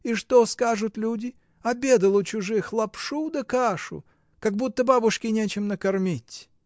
И что скажут люди: обедал у чужих — лапшу да кашу: как будто бабушке нечем накормить.